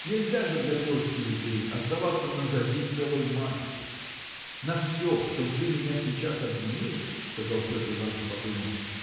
Нельзя же для горсти людей оставаться назади целой массе. На все в чем ты меня сейчас обвинил – сказал Петр Иваныч подумав